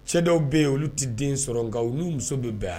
Cɛ dɔw bɛ yen olu tɛ den sɔrɔ nka n muso bɛ bɛn yan